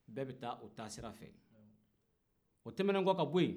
bɛɛ bɛ taa o taa sira fɛ o tɛmɛnen kɔ ka bɔ yen